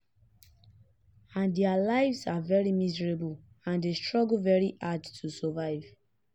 And their lives are very miserable and they struggle hard to survive.